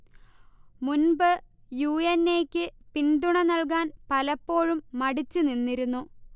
മുൻപ് യു. എൻ. എ. യ്ക്ക് പിന്തുണ നൽകാൻ പലപ്പോഴും മടിച്ച് നിന്നിരുന്നു